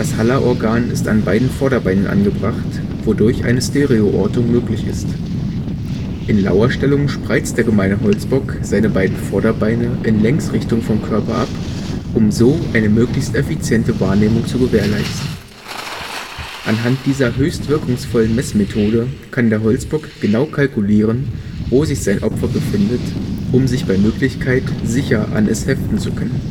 Haller-Organ ist an beiden Vorderbeinen angebracht, wodurch eine Stereoortung möglich ist. In Lauerstellung spreizt der Gemeine Holzbock seine beiden Vorderbeine in Längsrichtung vom Körper ab, um so eine möglichst effiziente Wahrnehmung zu gewährleisten. Anhand dieser höchst wirkungsvollen Messmethode kann der Holzbock genau kalkulieren, wo sich sein Opfer befindet, um sich bei Möglichkeit sicher an es heften zu können